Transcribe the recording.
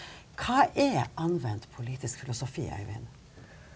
hva er anvendt politisk filosofi Øyvind?